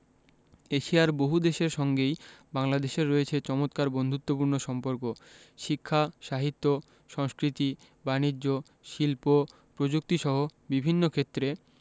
এশিয়ার বহুদেশের সঙ্গেই বাংলাদেশের রয়েছে চমৎকার বন্ধুত্বপূর্ণ সম্পর্ক শিক্ষা সাহিত্য সংস্কৃতি বানিজ্য শিল্প প্রযুক্তিসহ বিভিন্ন ক্ষেত্রে